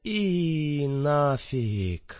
И на фиг